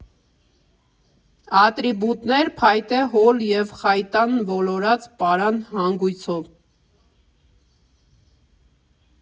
Ատրիբուտներ՝ փայտե հոլ և խայտան՝ ոլորած պարան հանգույցով։